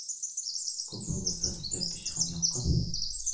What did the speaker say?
Күпме булса сездә көч һәм ялкын,